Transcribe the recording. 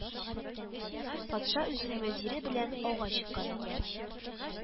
Патша үзенең вәзире белән ауга чыккан икән.